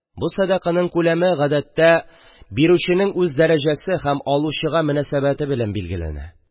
Бу садаканың күләме, гадәттә, бирүченең үз дәрәҗәсе һәм алучыга мөнәсәбәте белән билгеләнә.